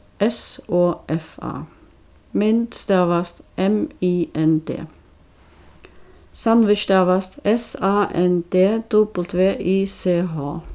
s o f a mynd stavast m y n d sandwich stavast s a n d w i c h